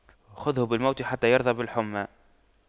خُذْهُ بالموت حتى يرضى بالحُمَّى